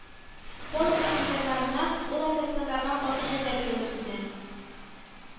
Полк командирларыннан ул офицерларга каты җәза бирүен үтенә